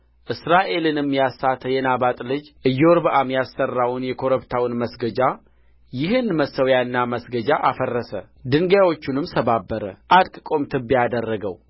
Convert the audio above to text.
እስራኤልንም ያሳተ የናባጥ ልጅ ኢዮርብዓም ያሠራውን የኮረብታውን መስገጃ ይህን መሠዊያና መስገጃ አፈረሰ ድንጋዮቹንም ሰባበረ አድቅቆም ትቢያ አደረገው